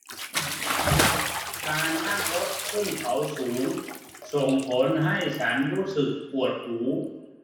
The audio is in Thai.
การนั่งรถขึ้นเขาสูงส่งผลให้ฉันรู้สึกปวดหู